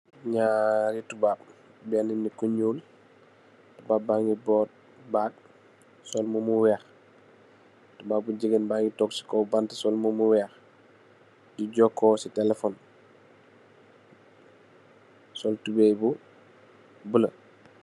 Ñaari tubab benna nit ku ñuul, tubab ba ngi boot bag sol mbubu mu wèèx , tubab bu jigeen ba ngi tóóg ci kaw bant sol mbubu mu wèèx di jokó ci telephone, sol tubay bu bula.